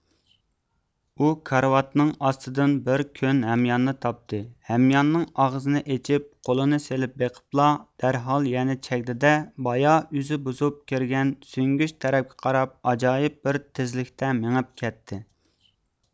ئۇ كارىۋاتنىڭ ئاستىدىن بىر كۆن ھەمياننى تاپتى ھەمياننىڭ ئاغزىنى ئېچىپ قولىنى سېلىپ بېقىپلا دەرھال يەنە چەگدى دە بايا ئۆزى بۇزۇپ كىرگەن سۈڭگۈچ تەرەپكە قاراپ ئاجايىپ بىر تېزلىكتە مېڭىپ كەتتى